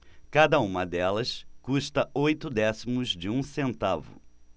cada uma delas custa oito décimos de um centavo